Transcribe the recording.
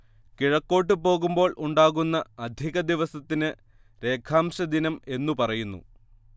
കിഴക്കോട്ടു പോകുമ്പോൾ ഉണ്ടാകുന്ന അധികദിവസത്തിന് രേഖാംശദിനം എന്നു പറയുന്നു